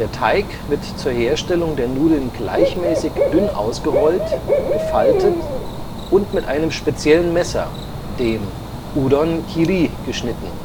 Teig wird zur Herstellung der Nudeln gleichmäßig dünn ausgerollt, gefaltet und mit einem speziellen Messer, dem Udon kiri, geschnitten